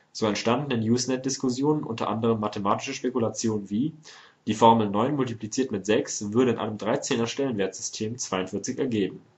So entstanden in Usenet-Diskussionen u. a. mathematische Spekulationen wie: Die Formel „ neun multipliziert mit sechs “würde in einem 13er-Stellenwertsystem 42 ergeben